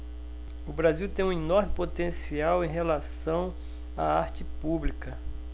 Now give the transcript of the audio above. o brasil tem um enorme potencial em relação à arte pública